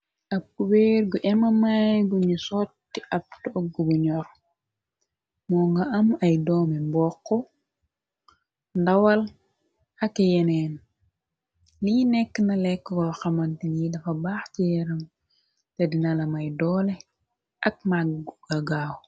Ab cubeergu ema maygu sotti ab togg bu ñor moo nga am ay doome mbokq ndawal ake yeneen li nekk na lekkko xamantin yi dafa baax ci yaram te dina lamay doole ak maggu ga gaaw.